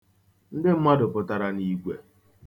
Ndị mmadụ pụtara n'igwe.